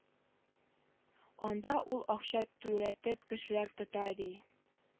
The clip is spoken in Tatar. Анда ул акча түләтеп кешеләр тота ди